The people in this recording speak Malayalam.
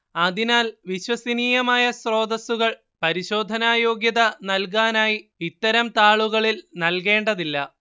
അതിനാൽ വിശ്വസനീയമായ സ്രോതസ്സുകൾ പരിശോധന യോഗ്യത നൽകാനായി ഇത്തരം താളുകളിൽ നൽകേണ്ടതില്ല